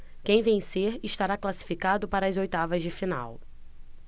quem vencer estará classificado para as oitavas de final